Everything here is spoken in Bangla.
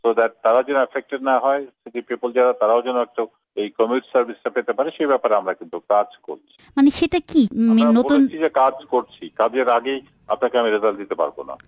সো দেট তারাও যেন এফেক্টেড না হয় ম্যাক্স পিপল যারা তারাও যেন এই কমিউনিটি সার্ভিস টা পেতে পারে সে ব্যাপারে আমরা কিন্তু কাজ করছি মানে সেটা কি নতুন আমরা বলছি যে কাজ করছি কাজ এর আগেই আপনাকে রেজাল্ট দিতে পারব না